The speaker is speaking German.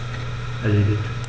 Erledigt.